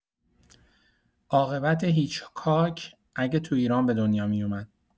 عاقبت هیچکاک، اگه تو ایران به دنیا میومد!